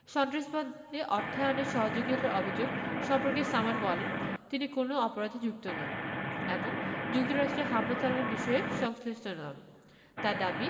সন্ত্রাসবাদে অর্থায়নে সহযোগিতার অভিযোগ সম্পর্কে সামাদ বলেন তিনি কোনো অপরাধে যুক্ত নন এবং যুক্তরাষ্ট্রে হামলা চালানোর বিষয়ে সংশ্লিষ্ট নন তাঁর দাবি